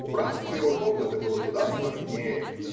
Убранство его комнаты было куда сложнее.